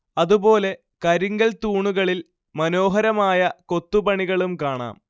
അതുപോലെ കരിങ്കൽ തൂണുകളിൽ മനോഹരമായ കൊത്തുപണികളും കാണാം